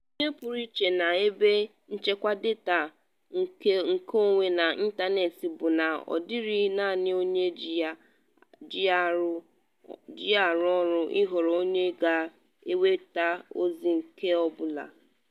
Ihe pụrụ iche na ebe nchekwa data nkeonwe n’ịntanetị bụ na ọ dịịrị naanị onye ji ya arụ ọrụ ịhọrọ onye ga-enweta ozi nke ọ bụla.